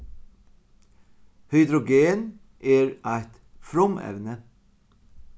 hydrogen er eitt frumevni